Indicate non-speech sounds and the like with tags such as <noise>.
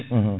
<hesitation> <hesitation>